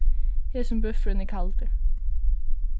hesin búffurin er kaldur